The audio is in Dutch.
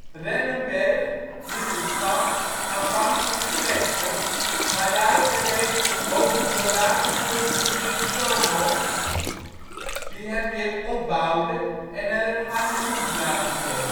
Rennenberg liet de schans aanvankelijk slechten, maar daarop werd deze veroverd door watergeus Diederik Sonoy, die hem weer opbouwde en er een garnizoen plaatste. In 1580